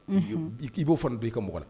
K'i b'o fana b'i ka mɔgɔ la